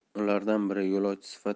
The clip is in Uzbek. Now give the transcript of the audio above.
ulardan biri yo'lovchi